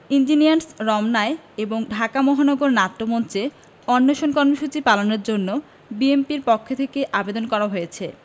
engineers রমনায় এবং ঢাকা মহানগর নাট্যমঞ্চে অনশন কর্মসূচি পালনের জন্য বিএনপির পক্ষ থেকে আবেদন করা হয়েছে